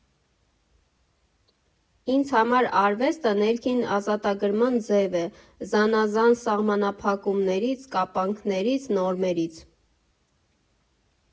Ինձ համար արվեստը ներքին ազատագրման ձև է՝ զանազան սահմանափակումներից, կապանքներից, նորմերից։